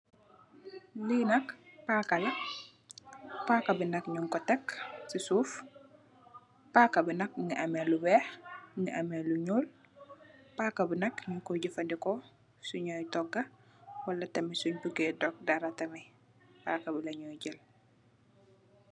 Li nak paka la, paka bi nak nung ko tekk ci suuf. Paka bi nak mungi am lu weeh ak ñuul. Paka bi nak nung koy jafadeko su nyo toga wala tamit sunn bu gè dog dara, paka la nyo jël.